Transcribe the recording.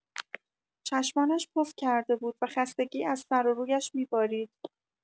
چشمانش پف کرده بود و خستگی از سر و رویش می‌بارید.